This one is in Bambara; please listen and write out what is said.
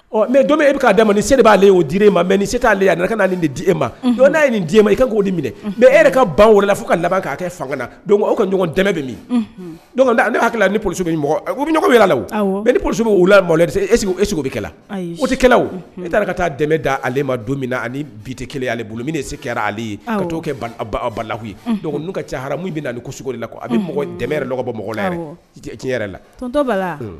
Ɔ mɛ don e bɛ'a da ma nin ni se b'alele oo dir e ma mɛ se'ale a ka na nin d di e ma dɔn n'a ye nin di e ma i ka' minɛ mɛ e yɛrɛ ka ban wolola fo ka laban k'a kɛ fanga la ka ɲɔgɔn dɛmɛ bɛ min ne hakilikila ni poli bɛ ɲɔgɔn la o ni p bɛ wula e e bɛ o tɛkɛlaw o e taara ka taa dɛmɛ da ale ma don min na ani bi tɛ kelen' bolo min se kɛra ale ye ka t'o kɛlaye n'u ka caramu bɛ ni koli la a bɛ mɔgɔ dɛ dɔgɔbɔ mɔgɔla tiɲɛ yɛrɛ la